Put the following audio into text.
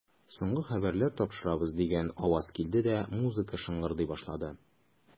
Соңгы хәбәрләр тапшырабыз, дигән аваз килде дә, музыка шыңгырдый башлады.